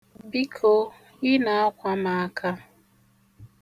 Biko, ị na-akwa m aka.